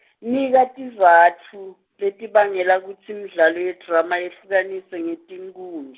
nika tizatfu, letibangela kutsi imidlalo yedrama yehlukaniswe ngetinkhuni-.